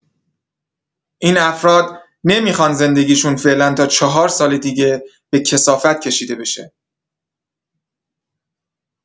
این افراد نمیخوان زندگیشون فعلا تا چهار سال دیگه به کثافت کشیده بشه.